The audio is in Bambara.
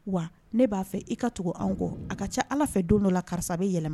Wa ne b'a fɛ i ka tugu an kɔ a ka ca ala fɛ don dɔ la karisa yɛlɛma